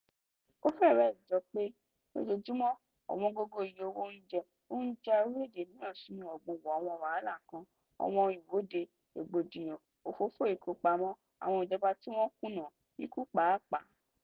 Ó fẹ́rẹ̀ jọ pé, ní ojoojúmọ́, ọ̀wọ́ngógó iye owó oúnjẹ ń já orílẹ̀-èdè mìíràn sínú ọ̀gbùn àwọn wàhálà kan: àwọn ìwọ́de, rògbòdìyàn, òfófó ìkópamọ́, àwọn ìjọba tí wọ́n ń kùnà, ikú pàápàá.